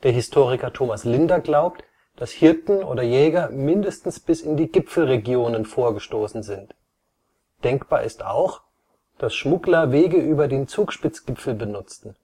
Historiker Thomas Linder glaubt, dass Hirten oder Jäger mindestens bis in die Gipfelregionen vorgestoßen sind. Denkbar ist auch, dass Schmuggler Wege über den Zugspitz-Gipfel benutzten